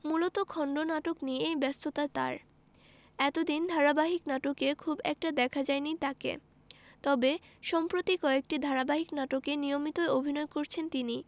মূলত খণ্ডনাটক নিয়েই ব্যস্ততা তার এতদিন ধারাবাহিক নাটকে খুব একটা দেখা যায়নি তাকে তবে সম্প্রতি কয়েকটি ধারাবাহিক নাটকে নিয়মিতই অভিনয় করছেন তিনি